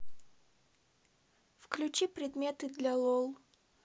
включи предметы для лол